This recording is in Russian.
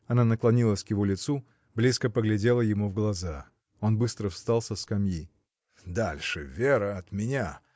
Она наклонилась к его лицу, близко поглядела ему в глаза. Он быстро встал со скамьи. — Дальше, Вера, от меня!.